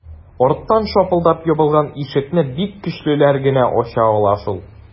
Арттан шапылдап ябылган ишекне бик көчлеләр генә ача ала шул...